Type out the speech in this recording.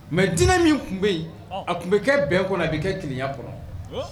Mɛ diinɛ min tun bɛ yen a tun bɛ kɛ bɛn kɔnɔ a bɛ kɛ tiɲɛya kɔnɔ